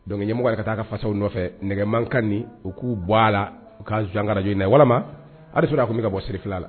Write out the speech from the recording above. Dɔnke ɲɛmɔgɔ ka taa faw nɔfɛ nɛgɛman ka nin u k'u bɔ a la u ka sonkarajjɛ walima a a tun bɛ ka bɔ siri fila la